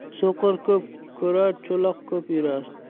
so'qir ko'p ko'rar cho'loq ko'p yurar